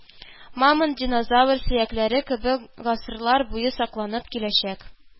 Мамонт, динозавр сөякләре кебек гасырлар буе сакланып, киләчәк